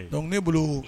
Dɔnku ne bolo